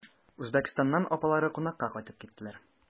Үзбәкстаннан апалары кунакка кайтып киттеләр.